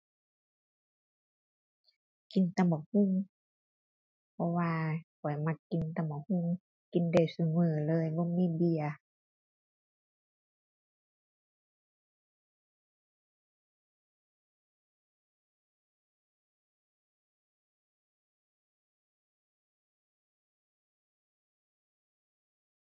กินตำบักหุ่ง เพราะว่าข้อยมักกินตำบักหุ่ง กินได้ซุมื้อเลย บ่มีเบื่อ